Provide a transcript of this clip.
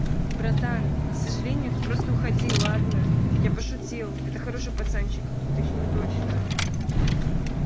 братан к сожалению ты просто уходи ладно я пошутил это хороший пацанчик это еще не точно